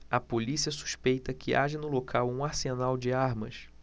a polícia suspeita que haja no local um arsenal de armas